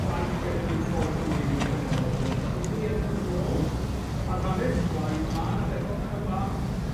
plaid genedlaethol Cymru 'r wthnos hon wrth gwrs, ac wrth i ni edrych yn ôl ar hanes y blaid, ma' 'na bennod cyfan